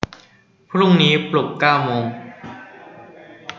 พรุ่งนี้ปลุกเก้าโมง